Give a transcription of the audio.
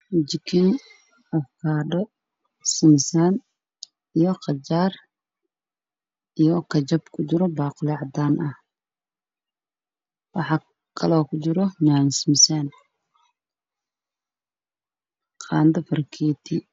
Jike afakaando qajaar yaan yo suusaan